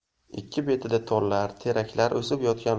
ikki betida tollar teraklar o'sib yotgan